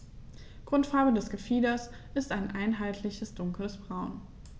Grundfarbe des Gefieders ist ein einheitliches dunkles Braun.